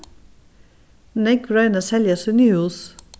nógv royna at selja síni hús